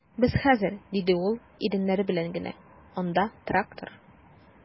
Без хәзер, - диде ул иреннәре белән генә, - анда трактор...